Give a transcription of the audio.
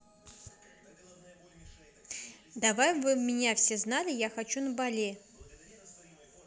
давай вы меня все знали я хочу на бали